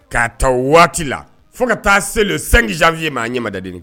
K'a taa o waati la fo ka taa se le 5 janvier ma an' ɲɛ ma da denni kan